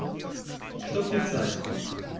Stopp die Zeit